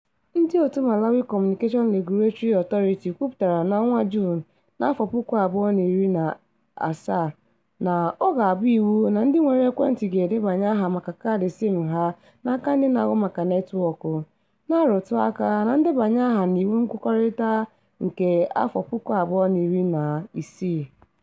Ndịòtù Malawi Communication Regulatory Authority kwupụtara na Juun 2017 na ọ ga-abụ iwu na ndị nwere ekwentị ga-edebanye aha maka kaadị SIM ha n'aka ndị na-ahụ maka netwọk, na-arụtụaka na ndebanye aha n'Iwu Nkwukọrịta nke 2016.